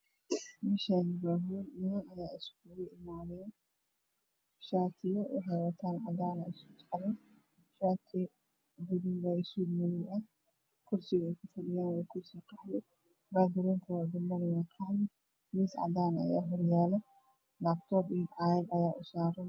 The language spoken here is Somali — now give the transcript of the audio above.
Meshani waa hool niman ayaa iskugu imaaden shaatiyo waxay wataan caadn ah kuwana shaatiyo gadud ah iyo suut madow ah kursiga ay ku fadhiyana waa qaxwi bagroundka waa qaxwi miis cadaana aya ag yaalo laptoon iyo caagad aya u saarn